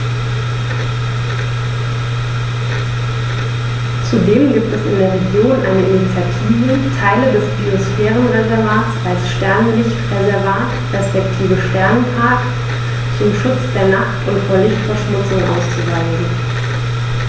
Zudem gibt es in der Region eine Initiative, Teile des Biosphärenreservats als Sternenlicht-Reservat respektive Sternenpark zum Schutz der Nacht und vor Lichtverschmutzung auszuweisen.